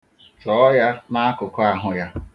Chọọ ya n'akụkụ ahụ ya.